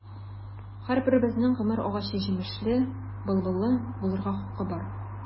Һәрберебезнең гомер агачы җимешле, былбыллы булырга хакы бар.